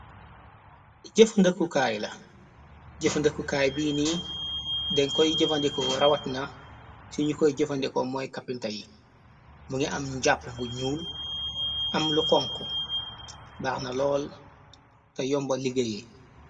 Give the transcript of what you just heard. Jef ndëkkukaay la jëfandëkkukaay biinii den koy jëfandiko rawat na ci ñyu koy jëfandiko mooy kapinta yi mugi am njàpp mbu ñuul am lu khonkho baaxna lowl te yombal liggéeye.